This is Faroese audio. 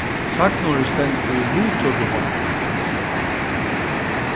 sagnorðið stendur í luttøkuhátti